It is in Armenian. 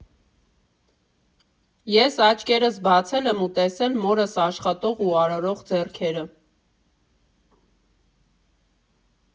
Ես աչքերս բացել եմ ու տեսել մորս աշխատող ու արարող ձեռքերը։